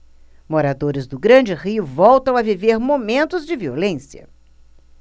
moradores do grande rio voltam a viver momentos de violência